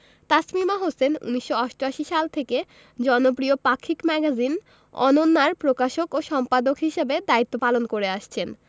তাসমিমা হোসেন ১৯৮৮ সাল থেকে জনপ্রিয় পাক্ষিক ম্যাগাজিন অনন্যার প্রকাশক ও সম্পাদক হিসেবে দায়িত্ব পালন করে আসছেন